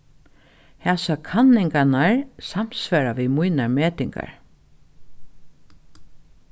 hasar kanningarnar samsvara við mínar metingar